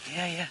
Ie ie.